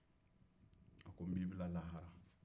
ko n b'i bila lahara